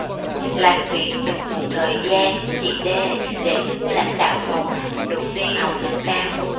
làm việc được một thời gian chị d đề xuất với lãnh đạo phòng được đi học nâng cao